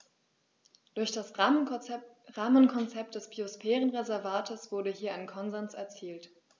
Durch das Rahmenkonzept des Biosphärenreservates wurde hier ein Konsens erzielt.